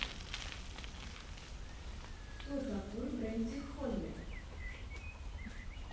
кто такой бренди холле